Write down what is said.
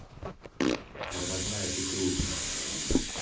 тормозная ты круче